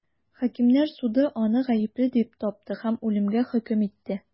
Хакимнәр суды да аны гаепле дип тапты һәм үлемгә хөкем итте.